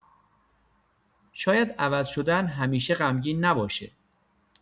شاید عوض شدن همیشه غمگین نباشه.